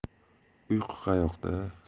uyqu qayoqda